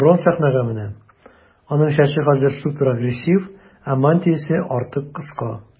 Рон сәхнәгә менә, аның чәче хәзер суперагрессив, ә мантиясе артык кыска.